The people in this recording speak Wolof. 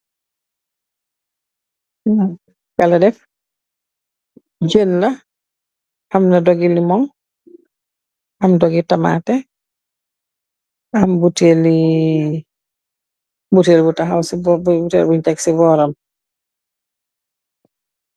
Jeen la am na dogi lemon am dogi tamate am botaili botail bu taxaw botaile bung tek si boram.